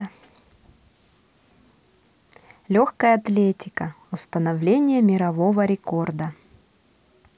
легкая атлетика установление мирового рекорда